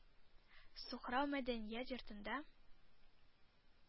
Сухрау мәдәният йортында